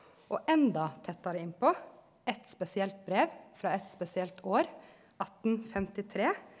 og enda tettare inn på eitt spesielt brev frå eit spesielt år attenfemtitre,